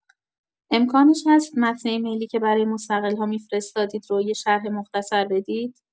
امکانش هست متن ایمیلی که برای مستقل‌ها می‌فرستادید رو یه شرح مختصر بدید؟